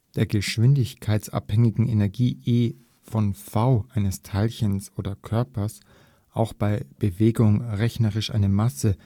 der geschwindigkeitsabhängigen Energie E (v) {\ displaystyle E (v)} eines Teilchens oder Körpers auch bei Bewegung rechnerisch eine Masse